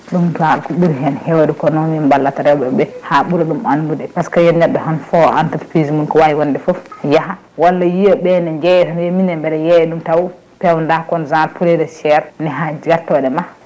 ɗum dal ko ɓuuri hen hewde ko noon min ballata rewɓeɓe ha ɓuura ɗum andude par ce que a yiyat neɗɗo tan fond entreprise mum ko wawi wonde foof jaaha walla yiiyaɓe ne jeyratani wiya minne mbiɗa yeeya ɗum taw da comme genre poulet de chaire neeha guertoɗe ma